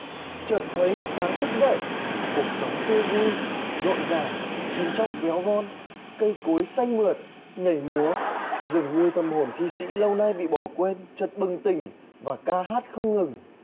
chợt thấy một sáng thức dậy cuộc sống tươi vui rộn ràng chim chóc véo von cây cối xanh mượt nhảy múa dường như tâm hồn thi sĩ lâu nay bị bỏ quên chợt bừng tỉnh và ca hát không ngừng